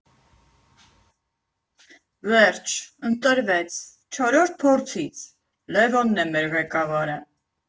Վերջ, ընտրվեց՝ չորրորդ փորձից, Լևոնն է մեր ղեկավարը։